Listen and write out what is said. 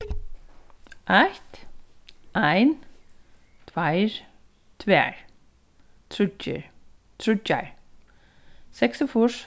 eitt ein tveir tvær tríggir tríggjar seksogfýrs